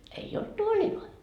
ei ollut tuoleja